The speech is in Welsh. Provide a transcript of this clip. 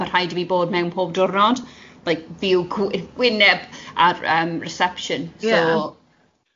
mae'n rhaid i fi bod mewn pob diwrnod, like fyw cw- wyneb ar yym reception so... Ie